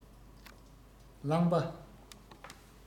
རླངས པ